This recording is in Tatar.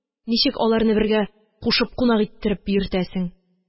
Ничек аларны бергә кушып кунак иттереп йөртәсең